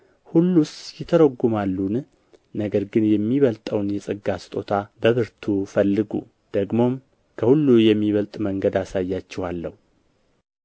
ሁሉስ ይተረጉማሉን ነገር ግን የሚበልጠውን የጸጋ ስጦታ በብርቱ ፈልጉ ደግሞም ከሁሉ የሚበልጥ መንገድ አሳያችኋለሁ